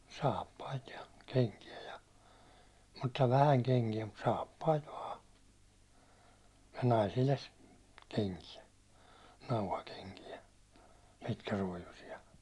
saappaita ja kenkiä ja mutta vähän kenkiä mutta saappaita vain ja naisille sitten kenkiä nauhakenkiä pitkäruojuisia